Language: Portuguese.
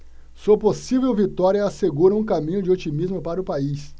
sua possível vitória assegura um caminho de otimismo para o país